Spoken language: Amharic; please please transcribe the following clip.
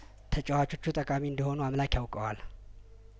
ተጫዋቾቹ ጠቃሚ እንደሆኑ አምላክ ያውቀዋል